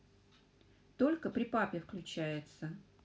только при папе включается